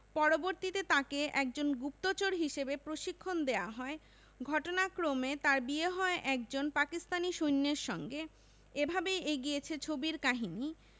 পরবর্তীতে তাকে একজন গুপ্তচর হিসেবে প্রশিক্ষণ দেওয়া হয় ঘটনাক্রমে তার বিয়ে হয় একজন পাকিস্তানী সৈন্যের সঙ্গে এভাবেই এগিয়েছে ছবির কাহিনী